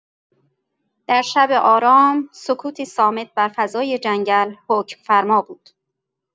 در شب آرام، سکوتی صامت بر فضای جنگل حکم‌فرما بود.